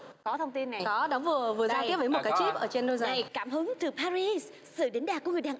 có thông tin này vừa vừa dao tiếp với một cái gì ở trên đôi giày cảm hứng từ paris